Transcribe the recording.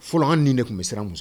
Fɔlɔ an ni de tun bɛ siran muso